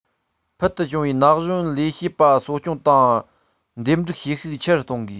ཕུལ དུ བྱུང བའི ན གཞོན ལས བྱེད པ གསོ སྐྱོང དང འདེམས སྒྲུག བྱེད ཤུགས ཆེ རུ གཏོང དགོས